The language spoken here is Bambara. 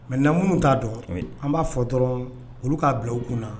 Mɛ namu t'a dɔn an b'a fɔ dɔrɔn olu k'a bila u kunna